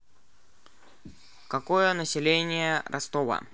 какое население ростова